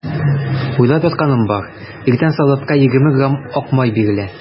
Уйлап ятканым бар: иртән солдатка егерме грамм ак май бирелә.